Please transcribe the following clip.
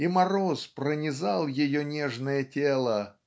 и мороз пронизал ее нежное тело